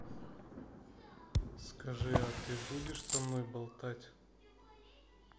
скажи а ты будешь со мной болтать